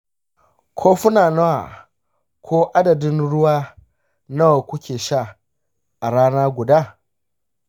kofuna nawa ko adadin ruwa nawa kuke sha a rana guda?